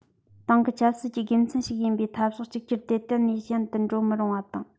ཏང གི ཆབ སྲིད ཀྱི དགེ མཚན ཞིག ཡིན པའི འཐབ ཕྱོགས གཅིག གྱུར དེ གཏན ནས ཞན དུ གཏོང མི རུང བ